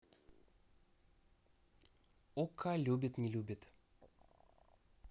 okko любит не любит